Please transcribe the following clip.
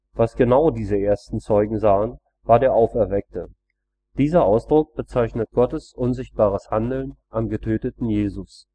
Was genau diese ersten Zeugen „ sahen “war der „ Auferweckte “: Dieser Ausdruck bezeichnet Gottes unsichtbares Handeln am getöteten Jesus